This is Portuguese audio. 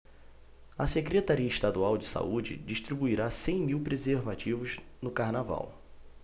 a secretaria estadual de saúde distribuirá cem mil preservativos no carnaval